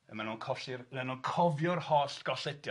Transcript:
A maen nhw'n colli'r maen nhw'n cofio'r holl golledion.